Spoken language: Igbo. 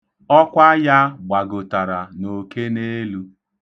Ọkwa ya gbagotara n'okeneelu.